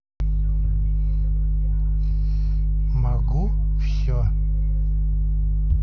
могу все